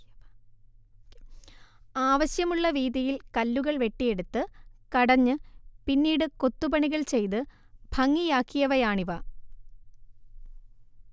ആവശ്യമുള്ള വീതിയിൽ കല്ലുകൾ വെട്ടിയെടുത്ത് കടഞ്ഞ് പിന്നീട് കൊത്തുപണികൾ ചെയ്ത് ഭംഗിയാക്കിയവയാണിവ